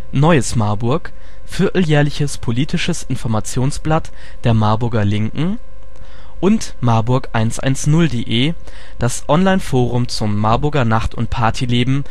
Neues Marburg " vierteljährliches politisches Informationsblatt der " Marburger Linken "; marburg110.de ist das Online-Forum zum Marburger Nacht - und Partyleben